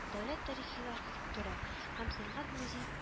Дәүләт тарихи -архитектура һәм сәнгать музей